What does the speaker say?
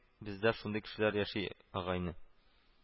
Бездә шундый кешеләр яши, агайне